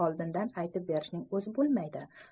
oldindan aytib berishning o'zi bo'lmaydi